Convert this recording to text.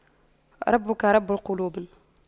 ربك رب قلوب